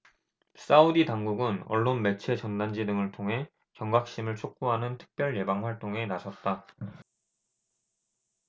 사우디 당국은 언론매체 전단지 등을 통해 경각심을 촉구하는 특별 예방 활동에 나섰다